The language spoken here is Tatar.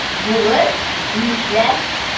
Булыр, нишләп?